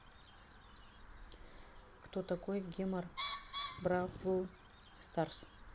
кто такой гемор brawl stars